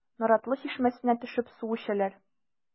Наратлы чишмәсенә төшеп су эчәләр.